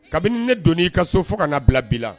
Kabini ne don ii ka so fo ka bila bi la